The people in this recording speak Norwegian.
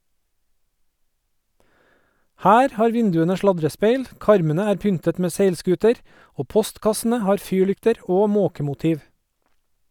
Her har vinduene sladrespeil , karmene er pyntet med seilskuter, og postkassene har fyrlykter og måkemotiv.